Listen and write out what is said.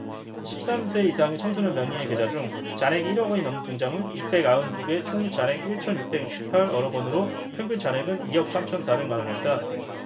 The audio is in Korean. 십 삼 세 이상의 청소년 명의의 계좌 중 잔액이 일 억원이 넘는 통장은 육백 아흔 두 개 총 잔액 일 천 육백 십 팔 억원으로 평균 잔액은 이 억 삼 천 사백 만원이었다